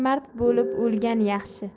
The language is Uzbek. mard bo'lib o'lgan yaxshi